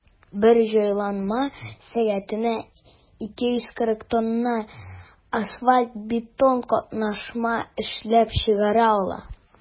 Бер җайланма сәгатенә 240 тонна асфальт–бетон катнашма эшләп чыгара ала.